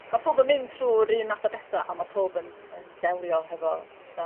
ma' powb yn mynd trw'r un math o betha a ma' powb yn yn delio hefo petha